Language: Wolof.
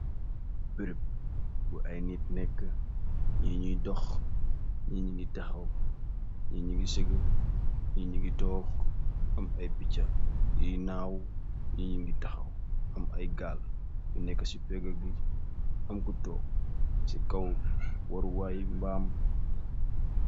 Bëreb, bu ay nit nekk ñi ñuy dox, ñi ñu ngi taxaw, ñi ñ ngi sëgga, ñi ñu ngi toog am ay picca yiy naaw, yi ñi ngi taxaw am ay gaal bi nekk, si pegga gi am ku toog si kaw waruwaayi mbaam.